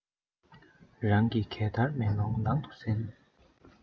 རང གིས གར བལྟས མེ ལོང ནང དུ གསལ